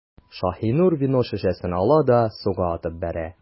Шаһинур вино шешәсен ала да суга атып бәрә.